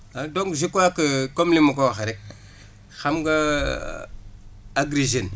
waaw donc je crois que comme ni ma ko waxee rek xam nga Agri Jeunes